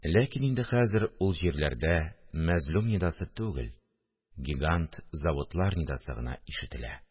Ләкин инде хәзер ул җирләрдә мәзлум нидасы түгел, гигант заводлар нидасы гына ишетелә